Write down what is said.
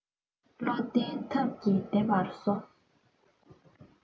བློ ལྡན ཐབས ཀྱིས བདེ བར གསོ